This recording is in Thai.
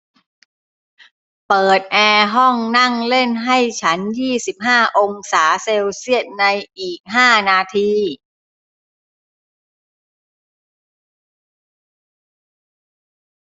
เปิดแอร์ห้องนั่งเล่นให้ฉันยี่สิบห้าองศาเซลเซียสในอีกห้านาที